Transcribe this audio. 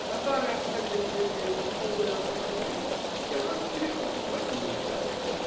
Татары оставили удельной Руси полную автономию, и она смирялась и платила дань.